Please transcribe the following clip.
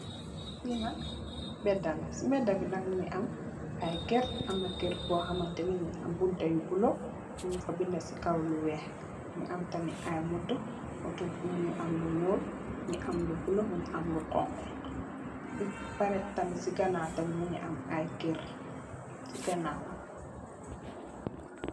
Fee nak mbeda la se mbeda be nak muge am aye kerr amna kerr bu hamantene muge am bunta yu bulo nyungfa mbeda si kaw lu weex munge am tamin aye motor otu be muge am lu nuul muge am lu bulo muge am lu xonxo bapareh tamin se ganaw tamin munge am aye kerr se ganawam.